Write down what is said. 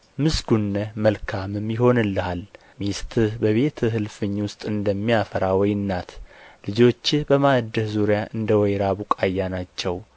ምስጉን ነህ መልካምም ይሆንልሃል ሚስትህ በቤትህ እልፍኝ ውስጥ እንደሚያፈራ ወይን ናት ልጆችህ በማዕድህ ዙሪያ እንደ ወይራ ቡቃያ ናቸው